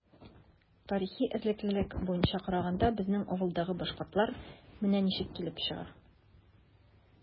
Тарихи эзлеклелек буенча караганда, безнең авылдагы “башкортлар” менә ничек килеп чыга.